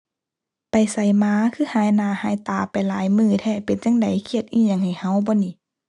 ไปไสมา คือหายหน้าหายตาไปหลายมื้อแท้ เป็นจั่งใด เคียดอิหยังให้เราบ่นี่